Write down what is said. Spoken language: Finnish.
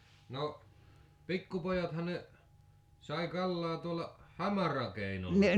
no pikkupojathan ne sai kalaa tuolla hamarakeinollakin